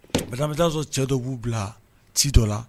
Badami sɔrɔ cɛ dɔ b'u bila ci dɔ la